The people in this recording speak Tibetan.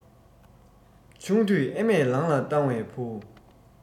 ཆུང དུས ཨ མས ལང ལ བཏང བའི བུ